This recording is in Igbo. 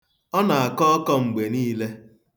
Ọ na-akọ ọkọ mgbe niile.